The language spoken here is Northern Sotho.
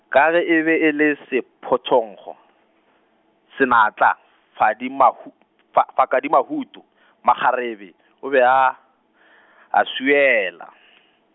ka ge e be e le sephothonkgo , senatla Fakadimahu-, fa Fakadimahuto , makgarebe, o be a , a swiela .